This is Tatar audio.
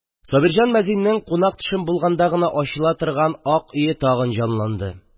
Сабирҗан мәзиннең кунак-төшем булганда гына ачыла торган ак өе тагын җанланды: